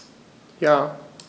Ja.